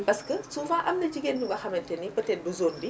parce que souvent am na jigéen ñu nga xamante ne peut être du zone bi